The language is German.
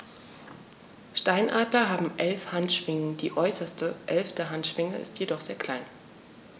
Steinadler haben 11 Handschwingen, die äußerste (11.) Handschwinge ist jedoch sehr klein.